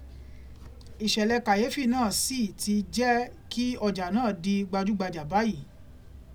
Ìṣẹ̀lẹ kàyééfì náà sì ti jẹ́ kí ọjà náà di gbajúgbajà báyìí.